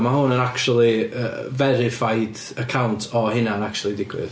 Ma' hwn yn acshyli yy verified account o hynna'n acshyli digwydd.